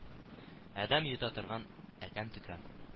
Адәм йота торган әкәм-төкәм